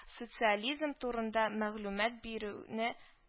Социализм турында мәгълүмат бирүне